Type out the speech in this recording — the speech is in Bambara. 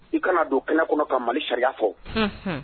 I kana don kɛnɛ kɔnɔ ka Mali sariya fɔ, unhun.